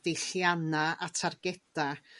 deillianna a targeda